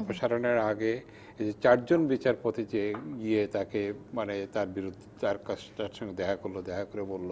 অপসারণের আগে ৪ জন বিচারপতি যে গিয়ে তাকে মানে তার বিরুদ্ধে তার সঙ্গে দেখা করল দেখা করে বলল